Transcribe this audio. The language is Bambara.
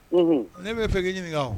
Ne bɛ fɛ k' ɲini